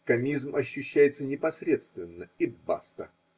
Комизм ощущается непосредственно, и баста.